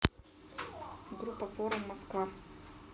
группа форум москва